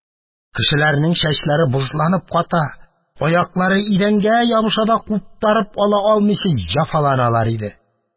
Кешеләрнең чәчләре бозланып ката, аяклары идәнгә ябыша да куптарып ала алмыйча җәфаланалар иде.